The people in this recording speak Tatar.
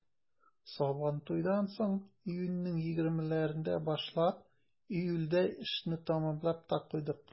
Сабантуйдан соң, июньнең 20-ләрендә башлап, июльдә эшне тәмамлап та куйдык.